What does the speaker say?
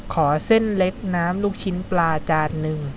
ขอเส้นเล็กน้ำลูกชิ้นปลาจานหนึ่ง